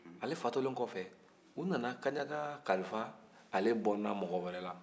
ale fatulen kɔfɛ u nana kaɲaga kalifa ale bɔna mɔgɔ wɛrɛ la